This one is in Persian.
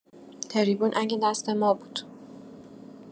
تریبون اگه دست ما بود